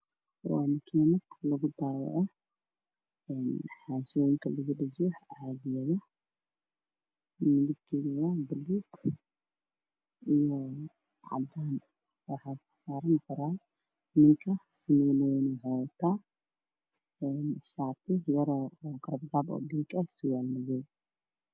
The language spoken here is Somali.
wa makinad lagudaboco xashiyo midabkedu wabalug iyo cadan waxa dull saran nin Niki shiti yar oo garba gab ah